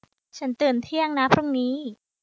ฉันตื่นเที่ยงนะพรุ่งนี้